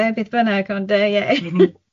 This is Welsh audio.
beth bynnag, ond ie